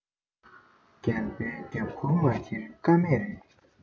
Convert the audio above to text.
སྒལ པའི རྒྱབ ཁུར མ འཁྱེར ཀ མེད རེད